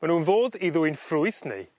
ma' nw'n fod i ddwyn ffrwyth neu